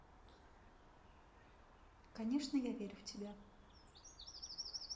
конечно я верю в тебя